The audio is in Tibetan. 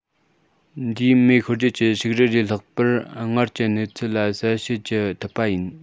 འདིས མེ ཤོར རྗེས ཀྱི ཞིག རལ ལས ལྷག པར སྔར གྱི གནས ཚུལ ལ གསལ བཤད བགྱི ཐུབ པ ཡིན